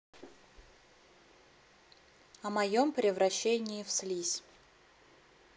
о моем превращении в слизь